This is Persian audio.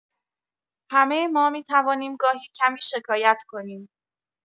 همه ما می‌توانیم گاهی کمی شکایت کنیم.